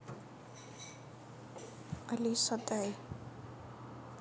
алиса дай